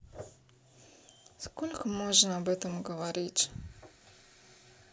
сколько можно об этом говорить